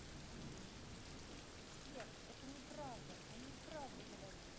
сбер это неправда он не правду говорит